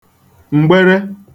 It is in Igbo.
m̀gbere